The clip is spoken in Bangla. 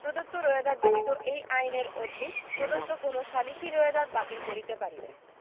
প্রদত্ত রোয়েদাদ ব্যতীত এই আইনের অধীন প্রদত্ত কোন সালিসী রোয়েদাদ বাতিল করিতে পারিবে